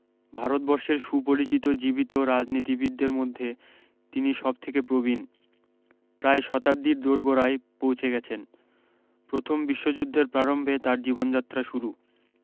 ভারতবর্ষের সুপরিচিত জীবিত রাজনীতিবিদদের মধ্যে তিনি সবথেকে প্রবীণ প্রায় শতাব্দীর দোরগোড়ায় পৌঁছে গেছেন প্রথম বিশ্ব্যুদ্ধের প্রারম্ভে তার জীবনযাত্রা শুরু